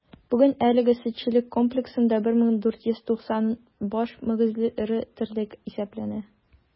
Бүген әлеге сөтчелек комплексында 1490 баш мөгезле эре терлек исәпләнә.